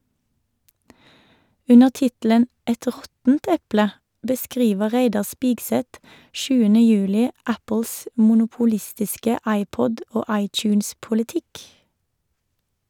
Under tittelen "Et råttent eple" beskriver Reidar Spigseth 7. juli Apples monopolistiske iPod- og iTunes-politikk.